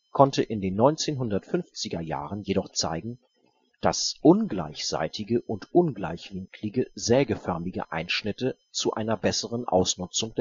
konnte in den 1950er Jahren jedoch zeigen, dass ungleichseitige und ungleichwinklige sägeförmige Einschnitte zu einer besseren Ausnutzung